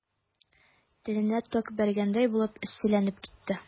Тәненә ток бәргәндәй булып эсселәнеп китте.